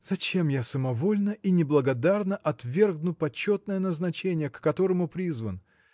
– Зачем я самовольно и неблагодарно отвергну почетное назначение к которому призван?